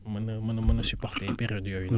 mën a mën a supporter période yooyu noonu